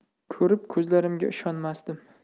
ko'rib ko'zlarimga ishonmasdim